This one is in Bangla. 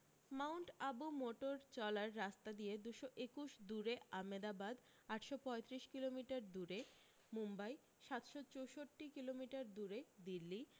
মাউন্ট আবু মোটর চলার রাস্তা দিয়ে দুশো একুশ দূরে আমেদাবাদ আটশ পঁয়ত্রিশ কিলোমিটার দূরে মুম্বাই সাতশ চুষট্টি কিলোমিটার দূরে দিল্লী